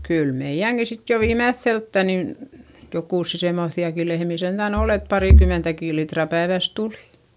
kyllä meidänkin sitten jo viimeiseltä niin jokusia semmoisiakin lehmiä sentään oli että parikymmentäkin litraa päivässä tuli